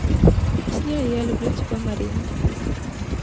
песня я люблю тебя марина